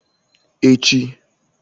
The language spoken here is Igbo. echi